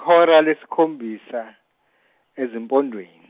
-hora lesikhombisa, ezimpondweni.